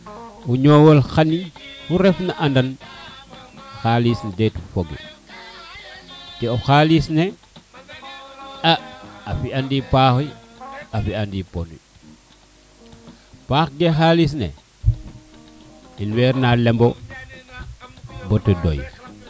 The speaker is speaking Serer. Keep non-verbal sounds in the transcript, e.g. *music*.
o ñowone xani xu ref *music* na andan xalis det fogu *music* to xalis ne *music* a fiya ni paaxu a fiya ni ponu *music* paax ne xalis ne *music* ten weer na lembo *music* bata doy